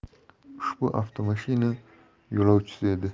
ushbu avtomashina yo'lovchisi edi